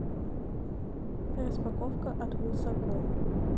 распаковка от wylsacom